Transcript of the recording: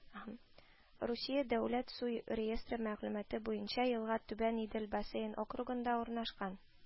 Русия дәүләт су реестры мәгълүматы буенча елга Түбән Идел бассейн округында урнашкан